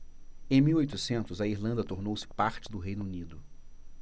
em mil e oitocentos a irlanda tornou-se parte do reino unido